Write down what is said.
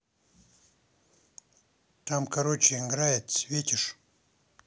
там короче играет светишь